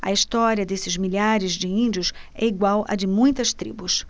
a história desses milhares de índios é igual à de muitas tribos